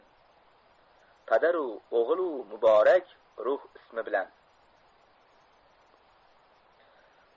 padaru o'g'ilu muborak ruh ismi bilan